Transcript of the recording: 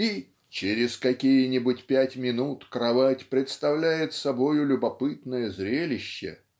и "через какие-нибудь пять минут кровать представляет собою любопытное зрелище"